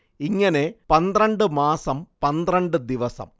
ഇങ്ങനെ പന്ത്രണ്ട് മാസം പന്ത്രണ്ട് ദിവസം